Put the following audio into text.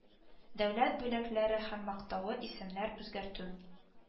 Дәүләт бүләкләре һәм мактаулы исемнәр үзгәртү